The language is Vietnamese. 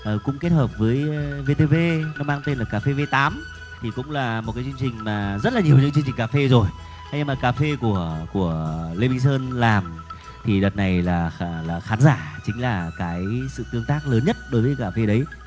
ờ cũng kết hợp với vê tê vê nó mang tên là cà phê vê tám thì cũng là một cái chương trình mà rất là nhiều những chương trình cà phê rồi thế nhưng mà cà phê của của lê minh sơn làm thì đợt này là là là khán giả chính là cái sự tương tác lớn nhất đối với cà phê đấy